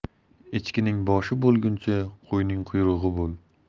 echkining boshi bo'lguncha qo'yning quyrug'i bo'l